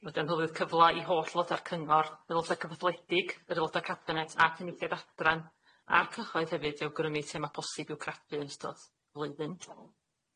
Wedyn anhylioedd cyfla i holl loda'r cyngor, y loda' cyfathledig, yr loda' cadenet, a cynnwysiad adran, a'r cychoedd hefyd i awgrymu thema' posib i'w crafu yn ystod flwyddyn.